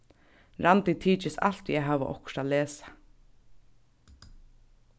randi tykist altíð at hava okkurt at lesa